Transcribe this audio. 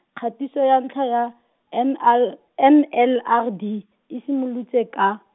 kgatiso ya ntlha ya, N L, N L R D, e simolotse ka.